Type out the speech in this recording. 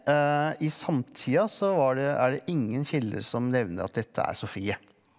i samtida så var det er det ingen kilder som nevner at dette er Sofie.